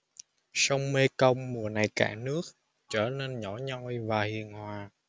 sông mekong mùa này cạn nước trở nên nhỏ nhoi và hiền hòa